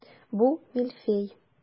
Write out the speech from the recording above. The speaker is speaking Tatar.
Бу мильфей.